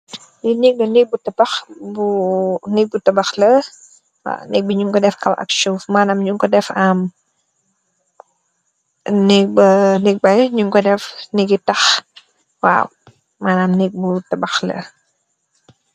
Li neek bu tabakh neek bu rabakh waw neek bi ñuñ ko def kal ak shov manam ñuñ ko def anik bay ode nigi tax waaw manam nig bu tabaxle